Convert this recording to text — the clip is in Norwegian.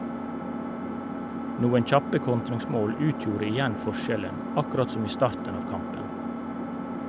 Noen kjappe kontringsmål utgjorde igjen forskjellen, akkurat som i starten av kampen.